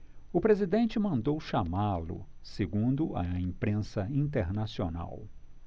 o presidente mandou chamá-lo segundo a imprensa internacional